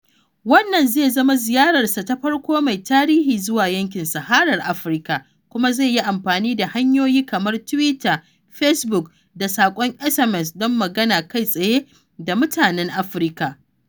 Wannan zai zama ziyararsa ta farko mai tarihi zuwa Yankin Saharar Afirka, kuma zai yi amfani da hanyoyi kamar Twitter, Facebook, da saƙon SMS don magana kai tsaye da matanan Afirka.